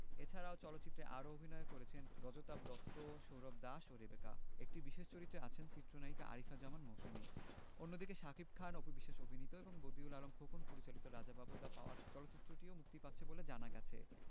এছাড়াও চলচ্চিত্রে আরও অভিনয় করেছেন রজতাভ দত্ত সৌরভ দাস ও রেবেকা একটি বিশেষ চরিত্রে আছেন চিত্রনায়িকা আরিফা জামান মৌসুমী অন্যদিকে শাকিব খান অপু বিশ্বাস অভিনীত এবং বদিউল আলম খোকন পরিচালিত রাজা বাবু দ্যা পাওয়ার চলচ্চিত্রটিও এই মুক্তি পাচ্ছে বলে জানা গেছে